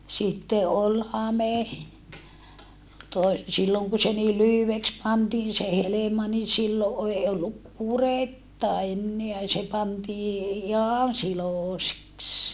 sitten oli hame - silloin kun se niin lyhyeksi pantiin se helma niin silloin ei ollut kuretta enää se pantiin ihan siloiseksi